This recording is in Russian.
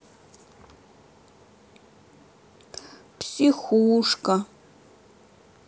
психушка